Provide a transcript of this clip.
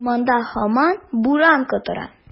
Урамда һаман буран котыра.